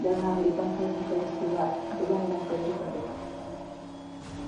di ga xam li ban fasungi kayiti xibarr la ak lan lañ koy jafandiko.